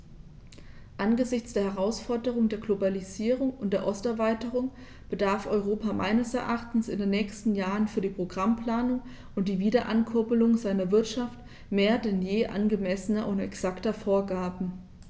Angesichts der Herausforderung der Globalisierung und der Osterweiterung bedarf Europa meines Erachtens in den nächsten Jahren für die Programmplanung und die Wiederankurbelung seiner Wirtschaft mehr denn je angemessener und exakter Vorgaben.